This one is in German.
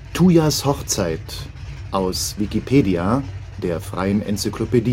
Tuyas Hochzeit, aus Wikipedia, der freien Enzyklopädie